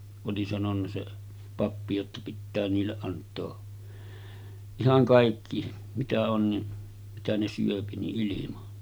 oli sanonut se pappi jotta pitää niille antaa ihan kaikki mitä on niin mitä ne syö niin ilman